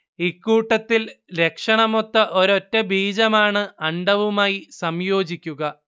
ഇക്കൂട്ടത്തിൽ ലക്ഷണമൊത്ത ഒരൊറ്റ ബീജമാണ് അണ്ഡവുമായി സംയോജിക്കുക